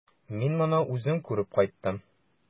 Мин моны үзем күреп кайттым.